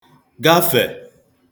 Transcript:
gafè